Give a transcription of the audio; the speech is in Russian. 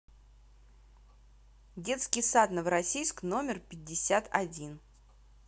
детский сад новороссийск номер пятьдесят один